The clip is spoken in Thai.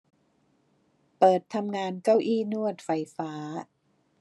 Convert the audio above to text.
เปิดทำงานเก้าอี้นวดไฟฟ้า